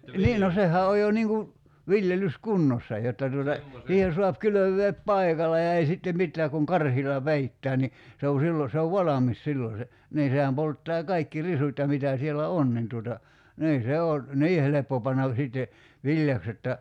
niin no sehän on jo niin kuin viljelyskunnossa jotta tuota siihen saa kylvää paikalla ja ei sitten mitään kun karhilla peittää niin se on silloin se on valmis silloin se niin sehän polttaa kaikki risut ja mitä siellä on niin tuota niin se on niin helppo panna sitten viljaksi jotta